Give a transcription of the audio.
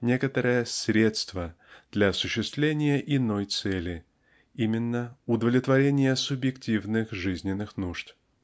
некоторое средство для осуществления иной цели--именно удовлетворения субъективных жизненных нужд.